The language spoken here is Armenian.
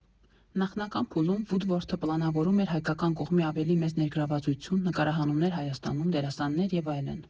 Նախնական փուլում Վուդվորթը պլանավորում էր հայկական կողմի ավելի մեծ ներգրավվածություն՝ նկարահանումներ Հայաստանում, դերասաններ և այլն։